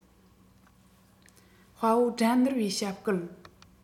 དཔའ བོ དགྲ འདུལ བའི ཞབས བསྐུལ